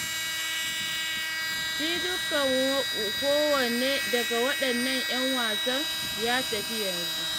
Shi dukkan kowane daga waɗannan ‘yan wasan ya tafi yanzu.